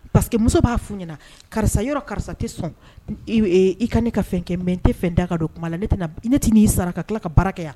Pa muso b'a f ɲɛna karisa yɔrɔ karisa tɛ sɔn i ka ne ka fɛn kɛ bɛn n tɛ fɛn da don o kuma la ne tɛna n'i sara ka tila ka baara kɛ yan